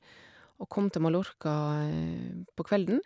Og kom til Mallorca på kvelden.